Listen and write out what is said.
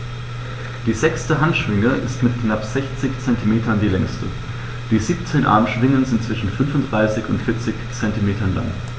Die sechste Handschwinge ist mit knapp 60 cm die längste. Die 17 Armschwingen sind zwischen 35 und 40 cm lang.